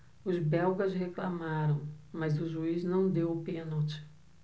os belgas reclamaram mas o juiz não deu o pênalti